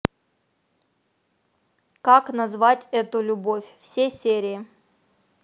как назвать эту любовь все серии